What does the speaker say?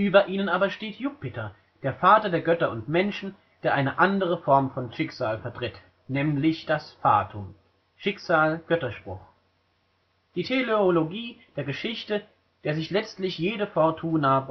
Über ihnen aber steht Jupiter, der Vater der Götter und Menschen, der eine andere Form von Schicksal vertritt: nämlich das fatum (Schicksal/Götterspruch, Plural fata), die Teleologie der Geschichte, der sich letztlich jede fortuna beugen